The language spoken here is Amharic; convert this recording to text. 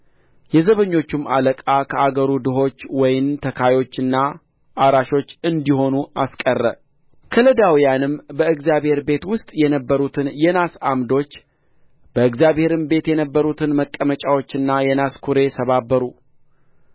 የዘበኞቹም አለቃ ከአገሩ ድሆች ወይን ተካዮችና አራሾች እንዲሆኑ አስቀረ ከለዳውያንም በእግዚአብሔር ቤት ውስጥ የነበሩትን የናስ ዓምዶች በእግዚአብሔርም ቤት የነበሩትን መቀመጫዎችና የናስ ኵሬ ሰባበሩ